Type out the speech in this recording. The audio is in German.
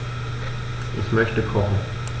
Ich möchte kochen.